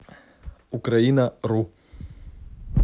украина ру